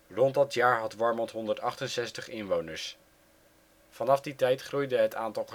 Rond dat jaar had Warmond 168 inwoners. Vanaf die tijd groeide het aantal